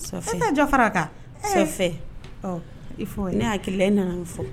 Fi jɔ fara kan fɛn i ne hakili ne nana fɔ